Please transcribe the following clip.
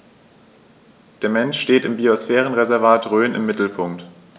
Der Mensch steht im Biosphärenreservat Rhön im Mittelpunkt.